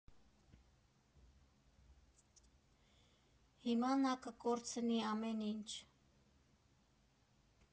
Հիմա նա կկորցնի ամեն ինչ։